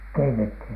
keitettiin